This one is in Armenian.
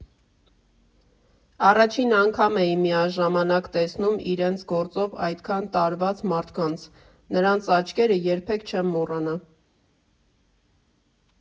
Առաջին անգամ էի միաժամանակ տեսնում իրենց գործով այդքան տարված մարդկանց, նրանց աչքերը երբեք չեմ մոռանա։